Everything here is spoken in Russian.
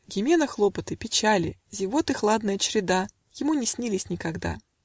Гимена хлопоты, печали, Зевоты хладная чреда Ему не снились никогда.